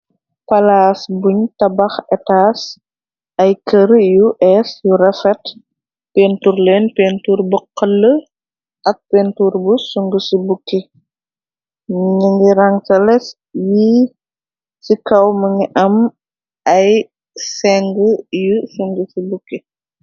Palaas buñ tabah etaas ay kër yu ess yu rafet pentur leen pentur bu hël ak pentur bu sung ci bukki nengi rangseles yi ci kaw ma ngi am ay sengu yu sungu ci bukki.